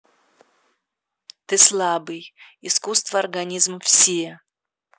ты слабый искусство организм все